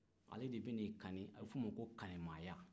ale de bɛna e kani a bɛ f'o ma ko kanimɛya